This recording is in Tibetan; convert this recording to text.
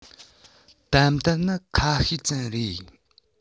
ཏན ཏན ནི ཁ ཤས ཙམ རེད